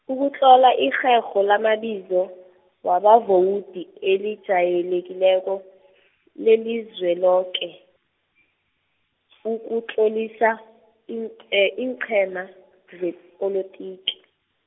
ukutlola irherho lamabizo, wabavowudi elijayelekileko, leliZweloke , ukutlolisa, iinqe- iinqhema , zepolotiki.